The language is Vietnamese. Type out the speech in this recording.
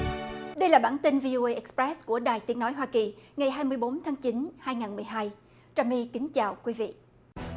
đây là bản tin vi ô ây ịch pét của đài tiếng nói hoa kỳ ngày hai mươi bốn tháng chín hai ngàn mười hai trà my kính chào quý vị